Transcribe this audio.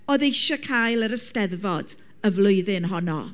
oedd eisiau cael yr eisteddfod y flwyddyn honno?